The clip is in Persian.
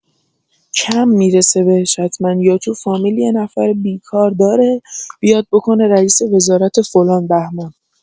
کم می‌رسه بهش حتما یا تو فامیل یه نفر بیکار داره بیاد بکنه رییس وزارت فلان بهمان